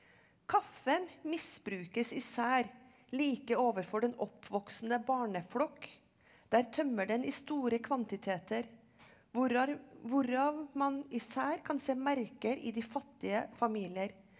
kaffen misbrukes især like overfor den oppvoksende barneflokk der tømmer den i store kvantiteter hvorav man især kan se merker i de fattige familier.